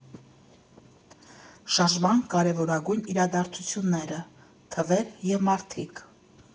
Շարժման կարևորագույն իրադարձությունները, թվեր և մարդիկ։